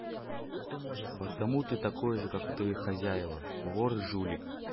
потому ты такой же как твои хозяева вор и жулик